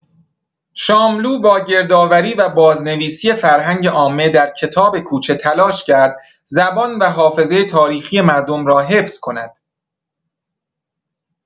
شاملو با گردآوری و بازنویسی فرهنگ عامه در کتاب کوچه تلاش کرد زبان و حافظه تاریخی مردم را حفظ کند.